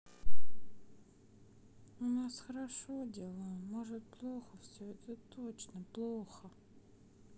у нас хорошо дела может плохо все это точно плохо